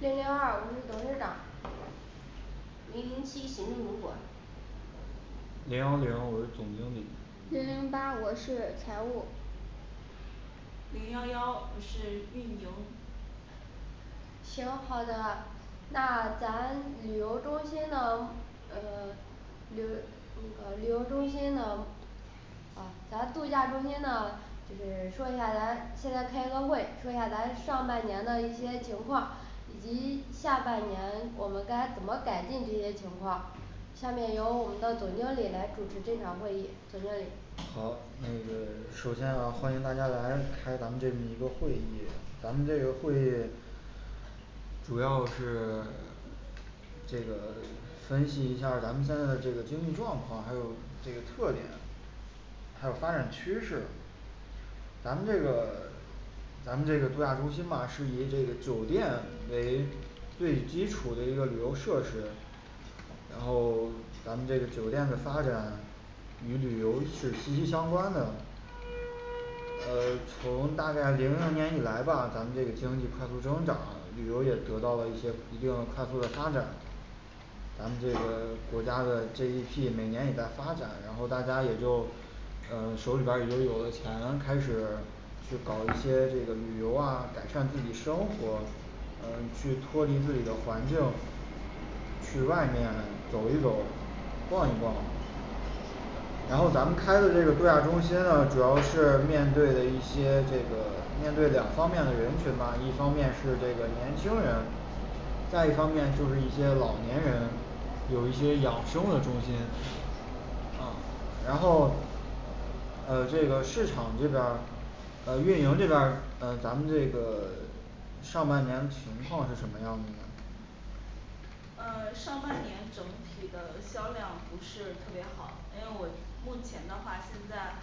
零零二我是董事长零零七行政主管零幺零我是总经理零零八我是财务零幺幺我是运营行好的。那 咱 旅游中心呢呃 旅游那个旅游中心呢嗯咱度假中心呢就是说一下咱现在开个会，说一下咱上半年的一些情况，以及下半年我们该怎么改进这些情况下面由我们的总经理来主持这场会议，总经理。好，那个首先啊欢迎大家来开咱们这么一个会议，咱们这个会议主要是这个 分析一下儿咱们现在的这个经济状况，还有这个特点，还有发展趋势咱们这个 咱们这个度假中心吧是以这个酒店为最基础的一个旅游设施，然后 咱们这个酒店的发展与旅游是息息相关的呃 从大概零零年以来吧，咱们这个经济快速增长旅游也得到了一些一定的快速的发展咱们这个国家的G D P每年也在发展，然后大家也就呃 手里边儿也就有了钱，开始去搞一些这个旅游啊，改善自己生活，嗯 去脱离自己的环境，去外面走一走，逛一逛然后咱们开的这个度假中心呢主要是面对的一些这个面对两方面的人群吧，一方面是这个年轻人再一方面就是一些老年人，有一些养生的中心嗯然后嗯这个市场这边儿呃运营这边儿嗯咱们这个 上半年情况是什么样子呢？嗯 上半年整体的销量不是特别好，因为我目前的话现在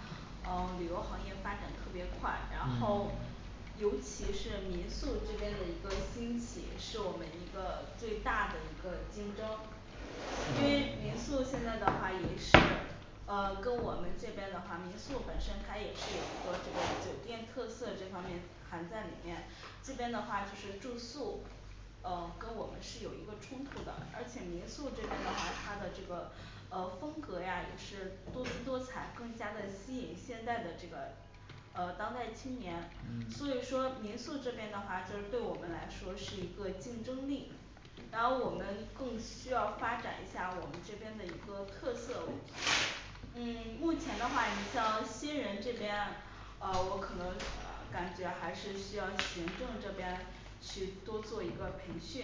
嗯旅游行业发展特别快，然嗯后尤其是民宿这边的一个兴起，是我们一个最大的一个竞争因为民嗯宿现在的话也是嗯 跟我们这边的话，民宿本身它也是有一个这个酒店特色这方面含在里面。这边的话就是住宿嗯跟我们是有一个冲突的，而且民宿这边的话它的这个呃风格呀也是多姿多彩，更加的吸引现代的这个呃当代青年所以嗯说民宿这边的话就是对我们来说是一个竞争力然后我们更需要发展一下我们这边的一个特色问题。嗯目前的话你像新人这边呃我可能啊感觉还是需要行政这边去多做一个培训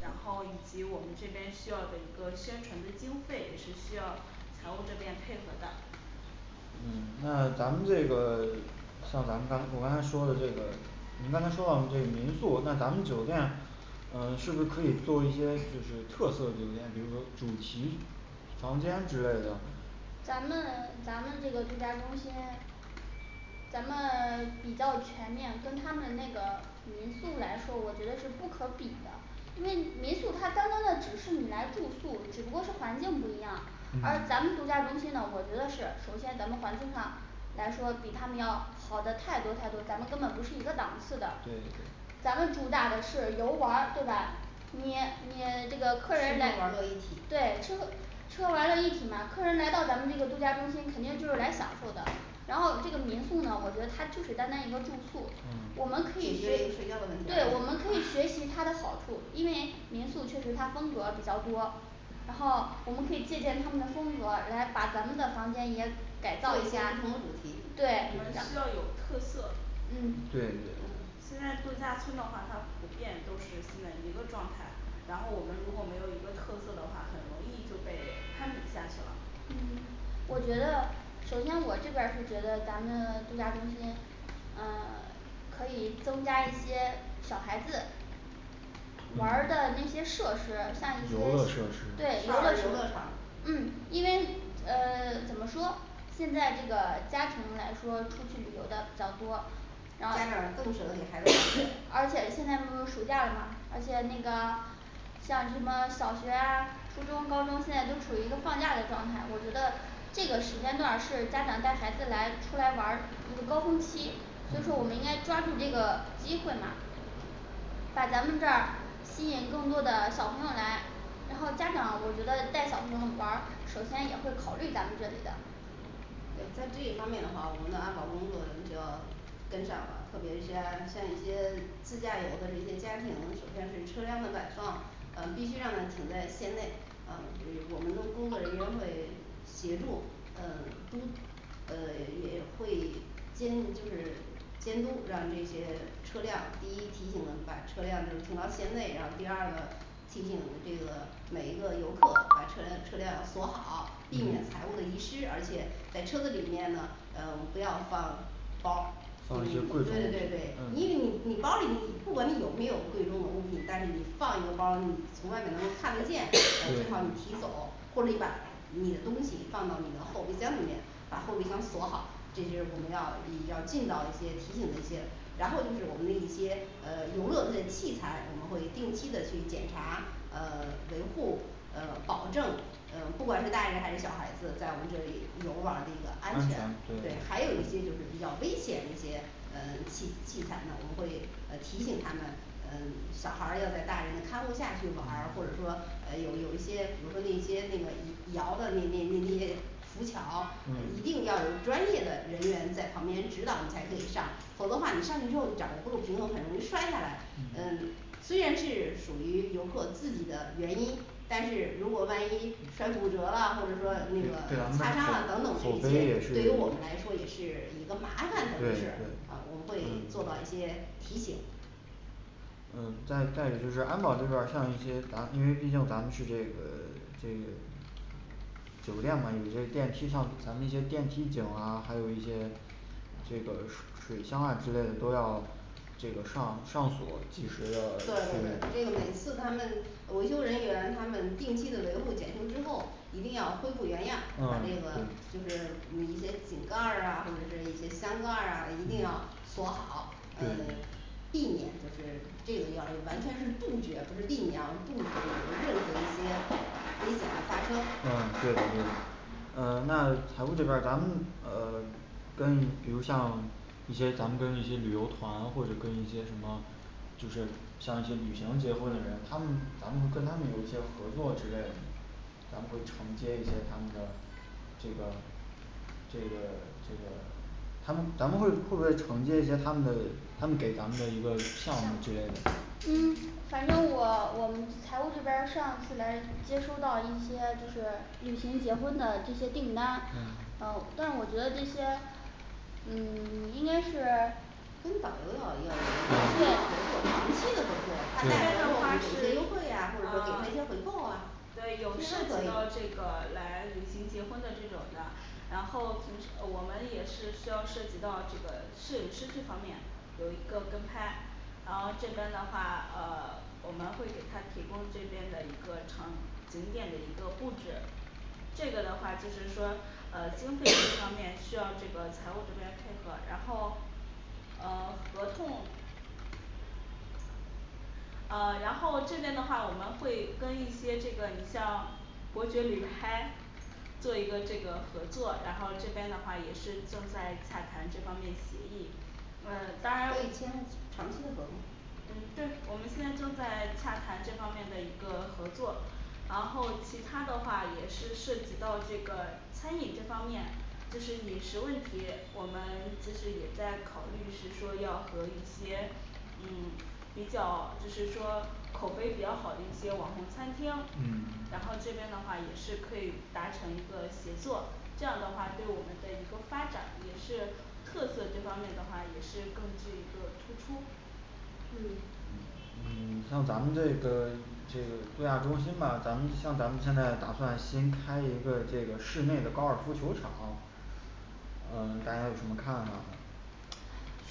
然后以及我们这边需要的一个宣传的经费，也是需要财务这边配合的。嗯那咱们这个 像咱们刚我刚才说的这个，您刚才说到这个民宿，那咱们酒店嗯 是不是可以做一些就是特色酒店，比如说主题房间之类的咱们咱们这个度假中心咱们 比较全面，跟他们那个民宿来说，我觉得是不可比的因为民宿它单单的只是你来住宿，只不过是环境不一样而咱们度嗯假中心呢我觉得是首先咱们环境上来说比他们要好的太多太多咱们根本不是一个档次对的对咱们主打的是游玩儿对吧？你你这吃喝个玩客人来儿乐一体对吃喝吃喝玩乐一体嘛客人来到咱们度假中心肯定就是来享受的。然后这个民宿呢我觉得它就是单单一个住宿，我们嗯可只以是对睡觉的对我们可 以学习他的好处，因为民宿确实它风格比较多然后我们可以借鉴他们的风格来把咱们的房间也改改造造一一些下生活主题，对我们需要有特色对对嗯对现嗯在度假村的话它普遍都是现在一个状态，然后我们如果没有一个特色的话，很容易就被攀比下去了嗯我觉得首先我这边儿是觉得咱们 度假中心嗯 可以增加一些小孩子玩儿的那嗯些设施像一些游乐设施对，少游儿游乐乐场嗯因为嗯 怎么说，现在这个家庭来说出去旅游的比较多然家后长更舍得给孩子 花钱而且现在不是暑假了吗而且那个像什么小学啊、初中高中现在都处于一个放假的状态，我觉得这个时间段儿是家长带孩子来出来玩儿一个高峰期，所以说我们应该嗯抓住这个机会嘛把咱们这儿吸引更多的小朋友来。然后家长我觉得带小朋友玩儿，首先也会考虑咱们这里的对在这一方面的话我们的安保工作一定要整改了特别先 像一些自驾游的这些家庭，首先是车辆的摆放嗯必须让它停在线内嗯所以我们的工作人员会协助嗯 都嗯也会监就是监督，让这些车辆第一提醒呢把车辆就是停到线内，然后第二个提醒这个每一个游客把车车辆锁好，避免财物的遗嗯失，而且在车子里面呢嗯我们不要放包儿。因为放一些对贵重对物对对因为你品嗯你包儿里你不管你有没有贵重的东西，但是你放一个包儿你从外面能看得见，正好儿你 提对走，或者你把你的东西放到你的后备箱里面，把后备箱锁好这就是我们要已尽到一些提醒的一些然后就是我们的一些呃 游乐的器材，我们会定期的去检查，嗯 维护呃 保证呃不管是大人还是小孩子在我们这里游玩儿的一个安安全全，对对还有一些比较危险的一些呃 器器材呢，我们会呃提醒他们嗯 小孩儿要在大人的看护下去玩儿，或者嗯呃说有有一些比如说那些那个摇的那那那那浮桥，一定要嗯有专业的人员在旁边指导你才可以上。否则话你上去之后你掌握不住平衡，很容易摔下来嗯嗯 虽然是属于游客自己的原因但是如果万一摔骨折嗯对对咱们了或者说那个擦伤了等的等，口口这碑也是这对于 我们来说也是一个麻烦的事对儿啊，我们对会做到一嗯些提醒嗯再再有就是安保这边儿像一些杂，因为毕竟咱们是这个 这个酒店吗有这电梯上咱们一些电梯井啊，还有一些这个水水箱啊之类的都要这个上上锁及时对对的 特对别这个每次他们维修人员他们定期的维护检修之后，一定要恢复原样儿，把这啊个就是对有一些井盖儿啊或者是一些箱盖儿啊一定要锁嗯好嗯对 避对免就是这个要完全是杜绝，不是避免啊，杜绝有任何一些危险的发生嗯对的对的嗯 那财务这边儿咱们呃 跟比如像一些咱们跟一些旅游团或者跟一些什么就是像一些旅行结婚的人他们咱们跟他们有一些合作之类的咱们会承接一些他们的这个这个这个他们咱们会会不会承接一些他们的他们给咱们的一个项目之类的？嗯反正我 我们财务这边儿上次来接收到一些就是旅行结婚的这些订单，嗯但是我嗯觉得这些嗯 应该是跟导游导一样他嗯们不希得合作我们这给边的他话对一个是优惠啊或者说给他一些回嗯 扣呀对，有涉及到这个来旅行结婚的这种的。然后平时呃我们也是需要涉及到这个摄影师这方面有一个跟拍然后这边的话呃 我们会给他提供这边的一个场景点的一个布置这个的话就是说呃经费这方面 需要这个财务这边配合，然后呃 合同呃 然后这边的话我们会跟一些这个你像伯爵旅拍做一个这个合作，然后这边的话也是正在洽谈这方面协议嗯当得然签长期合同。嗯对，我们现在正在洽谈这方面的一个合作然后其他的话也是涉及到这个餐饮这方面就是饮食问题，我们其实也在考虑是说要和一些嗯比较就是说口碑比较好的一些网红餐厅，然后嗯这边的话也是可以达成一个协作，这样的话对我们的一个发展也是特色这方面的话也是更具一个突出。嗯嗯 像咱们这个这个度假中心吧，咱们像咱们现在打算新开一个这个室内的高尔夫球场嗯 大家有什么看法？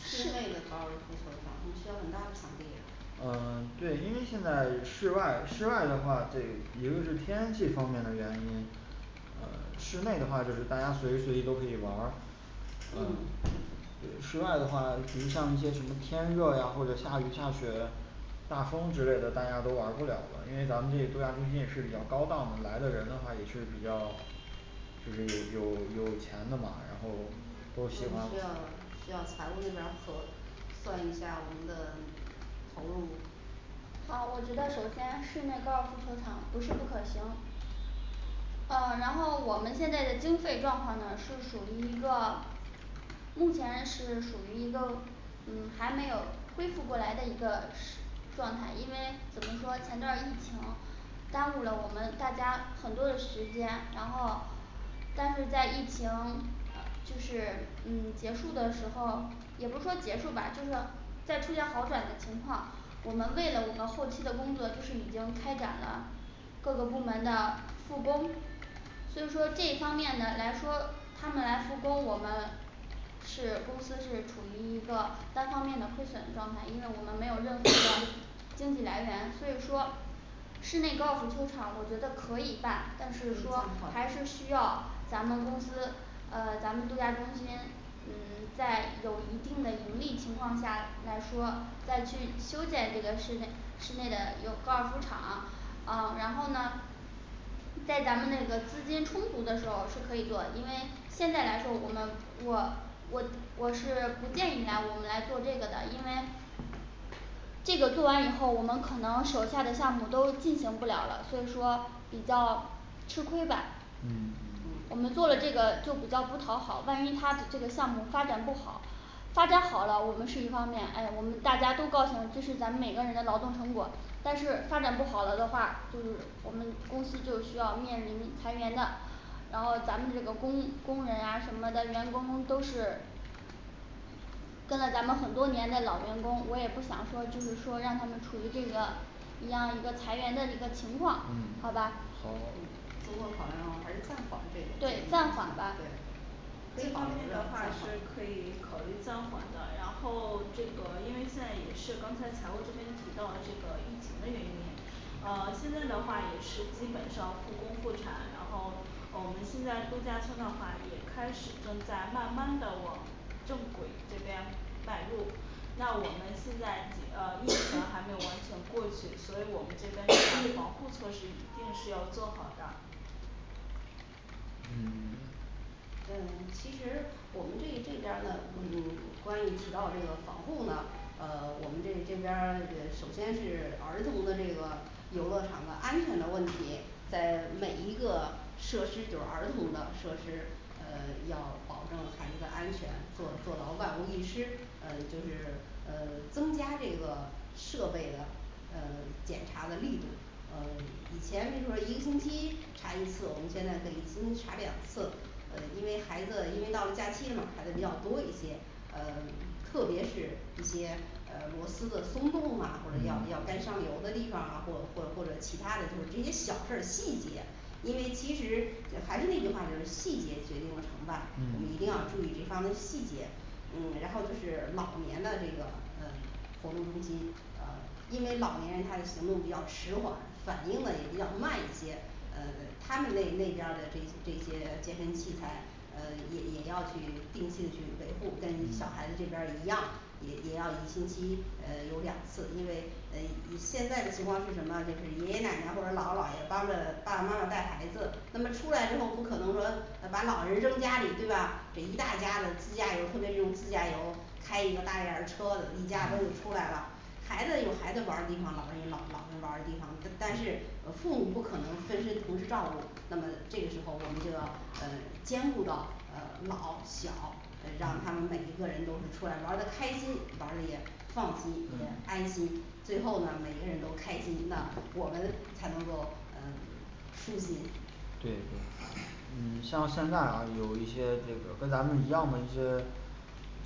室内的高尔夫球场是需要很大的场地的嗯 对，因为现在室外室外的话，这一个是天气方面的原因呃室内的话就是大家随时随地都可以玩儿嗯嗯对室外的话呢，比如像一些什么天热呀或者下雨下雪大风之类的大家都玩儿不了了，因为咱们这度假中心也是比较高档的来的人的话也是比较就是有有有钱的吗，然后这都个需喜要欢需要财务那边儿做，算一下儿我们的 投入啊我觉得首先室内高尔夫球场不是不可行啊 然后我们现在的经费状况呢是属于一个目前是属于一个嗯还没有恢复过来的一个时状态因为怎么说前段儿疫情耽误了我们大家很多的时间，然后但是在疫情呃就是嗯结束的时候也不说结束吧，就说在出现好转的情况我们为了我们的后期的工作就是已经开展了各个部门的复工所以说这一方面来来说他们来复工我们是公司是处于一个单方面的亏损状态，因为我们没有任何的 经济来源所以说室内高尔夫球场我觉得可以办，但是说还是需要咱们公司呃 咱们度假中心嗯 在有一定的盈利情况下来说，再去修建这个室内室内的游高尔夫场，哦然后呢在咱们那个资金充足的时候是可以做，因为现在来说我们我我我是不建议来我们来做这个的，因为这个做完以后，我们可能手下的项目都进行不了了，所以说比较吃亏吧。嗯我们做了对这个就比较不讨好，万一他的这个项目发展不好发展好了，我们是一方面，诶我们大家都高兴这是咱们每个人的劳动成果但是发展不好了的话，就是我们公司就需要面临裁员的然后咱们这个工工人啊什么的员工都是跟了咱们很多年的老员工我也不想说就是说让他们处于这个一样一个裁员的一个情况，好嗯吧？嗯好说不好的话还是暂缓这对个暂缓吧对这保方面留的话着是暂可缓以考虑暂缓的，然后这个因为现在也是刚才财务这边提到这个疫情的原因啊 现在的话也是基本上复工复产，然后我们现在度假村的话也开始正在慢慢的往正轨这边迈入那我们现在 呃 疫情 还没有完全过去，所以我们这边的防 护措施一定是要做好的。嗯 嗯其实我们这这边儿呢嗯关于提到这个防护呢，呃 我们这这边儿这首先是儿童的这个游乐场的安全的问题在 每一个设施就是儿童的设施，呃 要保证孩子的安全，做做到万无一失，嗯就是呃 增加这个设备的呃检查的力度呃以前就是一个星期查一次，我们现在得一星期查两次呃因为孩子因为到了假期吗孩子比较多一些，呃 特别是一些嗯螺丝的松动啊，或者要要该嗯上油的地方儿啊，或或或者其他的就是这些小事儿细节因为其实嗯还是那句话呢，细节决定了成败，我们一定要嗯注意这方面细节嗯然后就是老年的这个嗯活动中心呃因为老年人他行动比较迟缓，反应呢也比较慢一些呃 他们那那边儿的这这些健身器材嗯也也要去定期的去维护，跟小孩子这嗯边儿一样也也要一星期嗯 有两次，因为嗯你现在的情况是什么？就是爷爷奶奶或者姥姥姥爷帮着爸爸妈妈带孩子，那么出来之后不可能说呃把老人扔家里对吧？这一大家子自驾游，特别那种自驾游开一个大一点儿的车子一家子都得出来了嗯孩子有孩子玩儿的地方，老人有老老人玩儿的地方，但但是呃父母嗯不可能分身同时照顾，那么这个时候我们就要嗯兼顾到呃老小，嗯让他们每一个嗯人都是出来玩儿的开心，玩儿的也放心也安心，最后呢每一个人都开心的，我们才能够嗯舒心对对嗯 像现在啊有一些这个跟咱们一样的一些